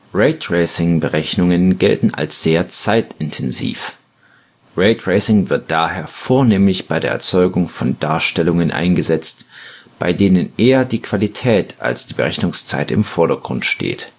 Raytracing-Berechnungen gelten als sehr zeitintensiv. Raytracing wird daher vornehmlich bei der Erzeugung von Darstellungen eingesetzt, bei denen eher die Qualität als die Berechnungszeit im Vordergrund steht